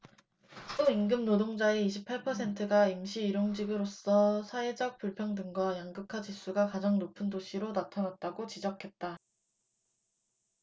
또 임금노동자의 이십 팔 퍼센트가 임시 일용직으로서 사회적 불평등과 양극화 지수가 가장 높은 도시로 나타났다 고 지적했다